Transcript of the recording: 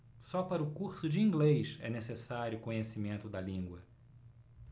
só para o curso de inglês é necessário conhecimento da língua